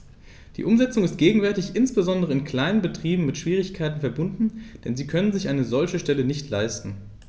Die Umsetzung ist gegenwärtig insbesondere in kleinen Betrieben mit Schwierigkeiten verbunden, denn sie können sich eine solche Stelle nicht leisten.